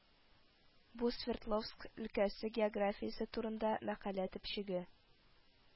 Бу Свердловск өлкәсе географиясе турында мәкалә төпчеге